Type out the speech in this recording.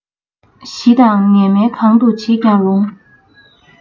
གཞི དང གནས མལ གང དུ བྱེད ཀྱང རུང